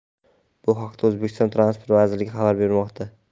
bu haqda o'zbekiston transport vazirligi xabar bermoqda